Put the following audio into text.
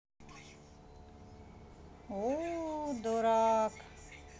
у дурак